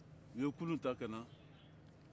u ye kulu ta ka na